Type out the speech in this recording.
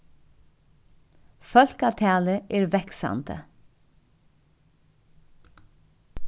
fólkatalið er vaksandi